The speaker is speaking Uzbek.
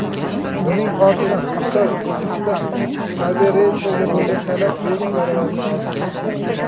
buning ortidan xitoy o'zbekiston aviareysiga bo'lgan talab besh baravarga ortdi